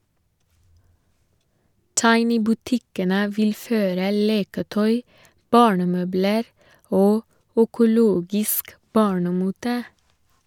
Tiny-butikkene vil føre leketøy, barnemøbler og økologisk barnemote.